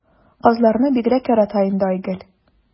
Казларны бигрәк ярата инде Айгөл.